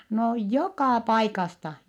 no joka paikasta